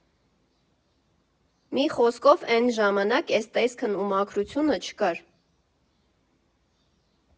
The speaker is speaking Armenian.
Մի խոսքով՝ էն ժամանակ էս տեսքն ու մաքրությունը չկար։